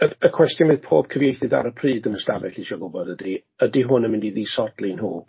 Y y cwestiwn bydd pob cyfieithydd ar y pryd yn y stafell isio gwbod ydy, ydy hwn yn mynd i ddisodli nhw?